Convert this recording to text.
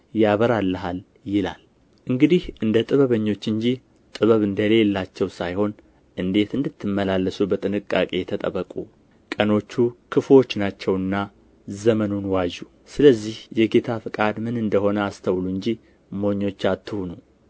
ያበራልሃል ይላል እንግዲህ እንደ ጥበበኞች እንጂ ጥበብ እንደሌላቸው ሳይሆን እንዴት እንድትመላለሱ በጥንቃቄ ተጠበቁ ቀኖቹ ክፉዎች ናቸውና ዘመኑን ዋጁ ስለዚህ የጌታ ፈቃድ ምን እንደ ሆነ አስተውሉ እንጂ ሞኞች አትሁኑ